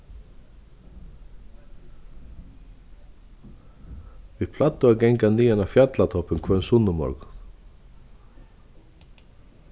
vit plagdu at ganga niðan á fjallatoppin hvønn sunnumorgun